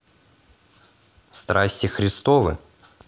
страсти христовы